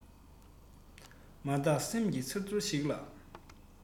མ བརྟགས སེམས ཀྱི འཆར ཚུལ ཞིག ལ